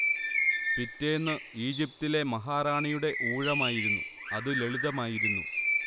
പിറ്റേന്നു ഈജിപ്തിലെ മഹാറാണിയുടെ ഊഴമായിരുന്നു അതു ലളിതമായിരുന്നു